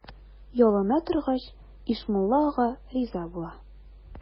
Ялына торгач, Ишмулла ага риза була.